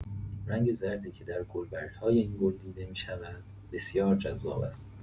رنگ زردی که در گلبرگ‌های این گل دیده می‌شود، بسیار جذاب است.